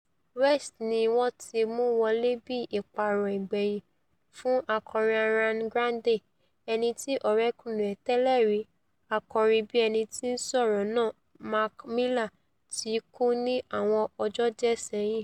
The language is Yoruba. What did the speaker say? West ni wọ́n ti mú wọlé bí ìpààrọ̀ ìgbẹ̀yìn fún akọrin Arian Grande, ẹnití ọ̀rẹ́kùnrin rẹ̀ tẹ́lẹ̀rí, akọrinbíẹ̵nití-ńsọ̀rọ̀ náà Mac Miller ti kú ní àwọn ọjọ́ díẹ̀ sẹ́yìn.